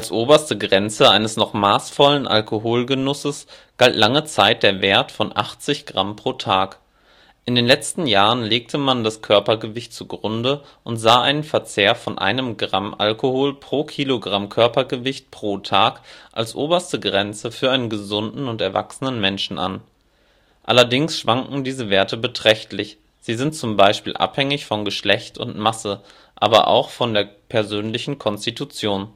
oberste Grenze eines noch maßvollen Alkoholgenusses galt lange Zeit der Wert von 80 g pro Tag. In den letzten Jahren legte man das Körpergewicht zugrunde und sah einen Verzehr von 1 g Alkohol pro kg Körpergewicht pro Tag als oberste Grenze für einen gesunden und erwachsenen Menschen an. Allerdings schwanken diese Werte beträchtlich, sie sind zum Beispiel abhängig von Geschlecht und Masse, aber auch von der persönlichen Konstitution